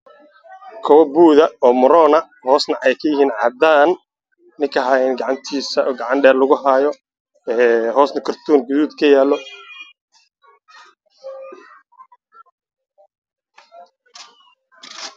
Mudane meeshaan labo kale oo baabuda ayaa ka muuq ato